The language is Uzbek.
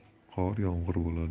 qor yomg'ir bo'ladi